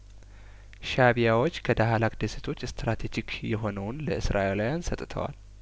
ሻእቢያዎች ከዳህላክ ደሴቶች ስትራቴጂክ የሆነውን ለእስራኤላውያን ሰጥተዋል